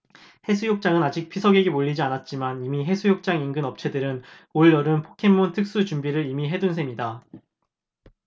해수욕장은 아직 피서객이 몰리지 않았지만 이미 해수욕장 인근 업체들은 올 여름 포켓몬 특수 준비를 이미 해둔 셈이다